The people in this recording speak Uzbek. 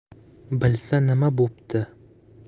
bilsa nima bo'pti